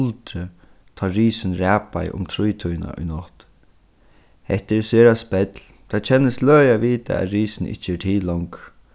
buldrið tá risin rapaði um trýtíðina í nátt hetta er sera spell tað kennist løgið at vita at risin ikki er til longur